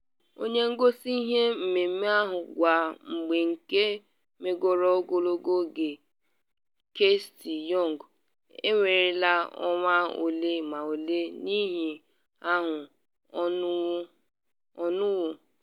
Onye ngosi ihe mmemme ahụ kwa mgbe nke megoro ogologo oge, Kirsty Young, enwerela ọnwa ole ma ole n’ihi ahụ ọnwụnwụ.